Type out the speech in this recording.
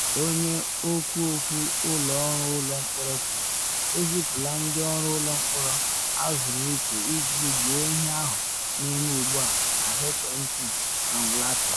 Onye okwu okwu Ụlọ Orụ Ụlọ Mkpọrọ kwuru: “Ezipula ndị ọrụ ụlọ mkpọrọ azụrụ iche iji gboo ihe ahụ na eme ugbu a na HMP Long Lartin.